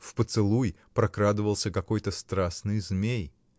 в поцелуй прокрадывался какой-то страстный змей.